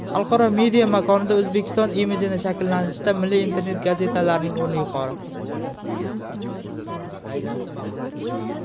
xalqaro media makonida o'zbekiston imijini shakllantirishda milliy internet gazetalarning o'rni yuqori